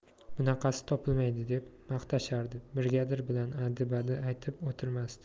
bunaqasi topilmaydi deb maqtashardi brigadir bilan adi badi aytib o'tirmasdi